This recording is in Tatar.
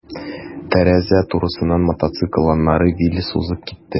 Тәрәзә турысыннан мотоцикл, аннары «Виллис» узып китте.